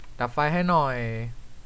ดับไฟให้หน่อย